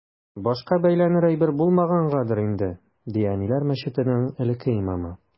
Башка бәйләнер әйбер булмагангадыр инде, ди “Әниләр” мәчетенең элекке имамы.